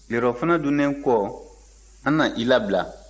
tilerɔfana dunnen kɔ an na i labila